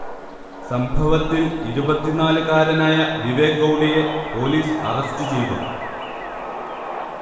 സംഭവത്തിൽ ഇരുപത്തിനാല് കാരനായ വിവേക് ഗൌഡയെ പോലീസ് അറസ്റ്റ് ചെയ്തു